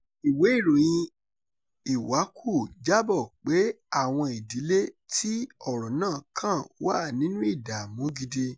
Ìwé ìròyìn iwacu jábọ̀ pé àwọn ìdílé tí ọ̀rọ̀ náà kàn wà nínú ìdààmú gidi.